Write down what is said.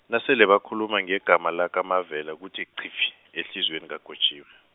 nasele bakhuluma ngegama lakaMavela kuthi qhifi, ehliziyweni kaGotjiwe.